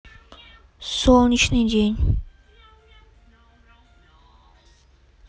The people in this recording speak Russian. солнечный день